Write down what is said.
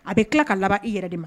A bɛ tila ka laban i yɛrɛ de ma